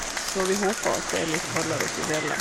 Så vi håper at det er litt kaldere oppe i fjellet.